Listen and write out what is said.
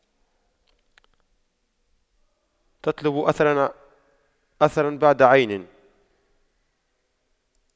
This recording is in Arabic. تطلب أثراً بعد عين